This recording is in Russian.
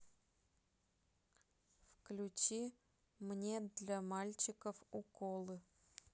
включи мне для мальчиков уколы